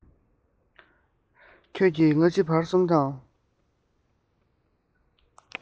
ཁྱོད ཀྱིས སྔ ཕྱི བར གསུམ དང